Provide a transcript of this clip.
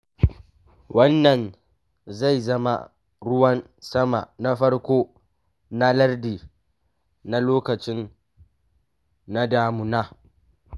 Wannan zai zama ruwan sama na farko na lardin na lokacinsu na damuna.